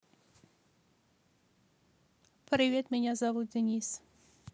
привет меня зовут денис